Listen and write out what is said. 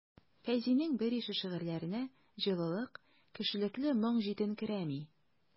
Фәйзинең берише шигырьләренә җылылык, кешелекле моң җитенкерәми.